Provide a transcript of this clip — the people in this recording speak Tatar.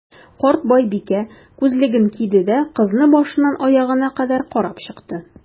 Карт байбикә, күзлеген киде дә, кызны башыннан аягына кадәр карап чыкты.